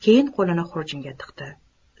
keyin qo'lini xurjunga tiqdi